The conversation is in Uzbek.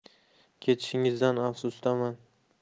ketishingizdan afsusdaman